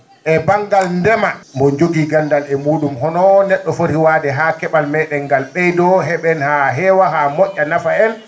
e ba?ngal ndema mbo jogii ganndal he muu?um hono ne??o foti wa?de haa ke?al mee?en ngal ?eydoo ke?en haa heewa haa mo??a nafa en